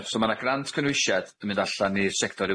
Iawn so ma' 'na grant cynhwyshiad yn mynd allan i'r sector